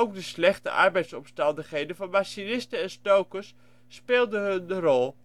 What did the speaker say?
de slechte arbeidsomstandigheden van machinisten en stokers speelden hun rol